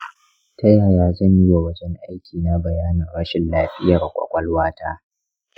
ta yaya zan yiwa wajen aikina bayanin rashin lafiyar ƙwaƙwalwa ta?